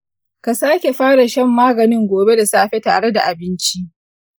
ka sake fara shan maganin gobe da safe tare da abinci.